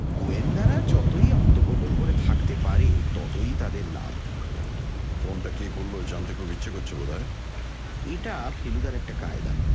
গোয়েন্দারা যতই আত্মগোপন করে থাকতে পারে ততই তাদের লাভ ফোনটা কে করল জানতে খুব ইচ্ছে করছে বোধহয় এটা ফেলুদার একটা কায়দা